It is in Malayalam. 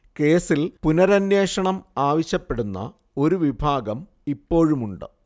കേസിൽ പുനരന്വേഷണം ആവശ്യപ്പെടുന്ന ഒരു വിഭാഗം ഇപ്പോഴുമുണ്ട്